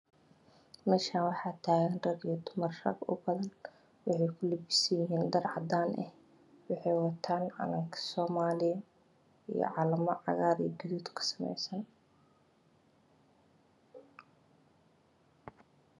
Meshaani waxaa tagan rag iyo dumar dumar ubadan wexey ku libisan yihiin dhar cadan ah wexeey watan calanka somaliya iyo calaman cagar iyo gaduud ka samaysan